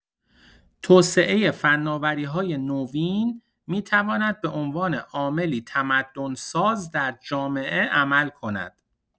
توسعه فناوری‌های نوین می‌تواند به عنوان عاملی تمدن‌ساز در جامعه عمل کند.